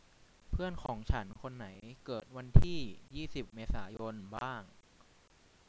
เพื่อนของฉันคนไหนเกิดวันที่ยี่สิบเมษายนบ้าง